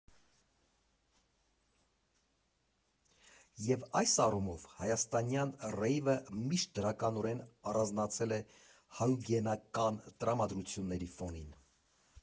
Եվ այս առումով, հայաստանյան ռեյվը միշտ դրականորեն առանձնացել է հայուգենական տրամանդրությունների ֆոնին։